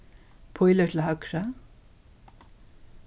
pílur til høgru